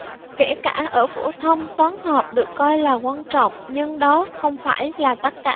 kể cả ở phổ thông toán học được coi là quan trọng nhưng đó không phải là tất cả